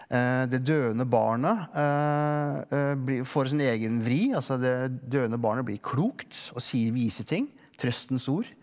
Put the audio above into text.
det døende barnet blir jo får jo sin egen vri altså det døende barnet blir klokt og sier vise ting trøstens ord.